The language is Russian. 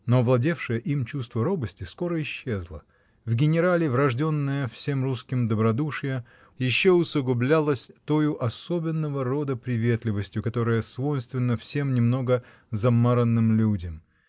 Но овладевшее им чувство робости скоро исчезло: в генерале врожденное всем русским добродушие еще усугублялось тою особенного рода приветливостью, которая свойственна всем немного замаранным людям